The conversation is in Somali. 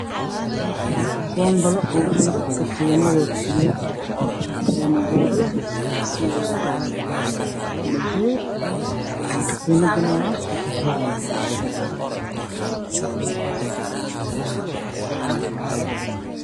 Boon balo ugu juro katiinad cadaan ah